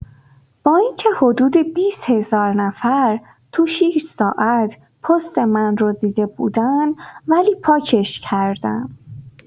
با اینکه حدود ۲۰ هزار نفر تو ۶ ساعت پست من رو دیده بودن ولی پاکش کردم.